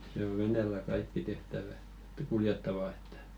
se on veneellä kaikki tehtävä että kuljettava että